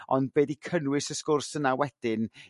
ond be' 'di cynnwys y sgwrs yna wedyn?